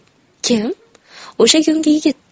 kim o'sha kungi yigit